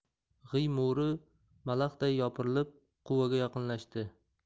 g'iy mo'ri malaxday yopirilib quvaga yaqinlashdi